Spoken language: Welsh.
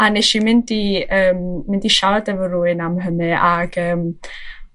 A nesh i mynd i yym mynd i siarad efo rywun am hynny, ag yym